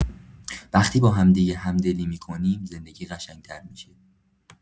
وقتی با همدیگه همدلی می‌کنیم، زندگی قشنگ‌تر می‌شه.